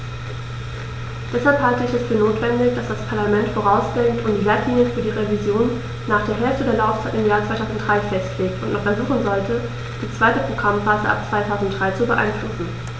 Deshalb halte ich es für notwendig, dass das Parlament vorausdenkt und die Leitlinien für die Revision nach der Hälfte der Laufzeit im Jahr 2003 festlegt und noch versuchen sollte, die zweite Programmphase ab 2003 zu beeinflussen.